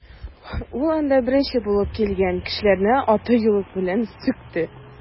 Ул анда беренче булып килгән кешеләрне аты-юлы белән сүкте.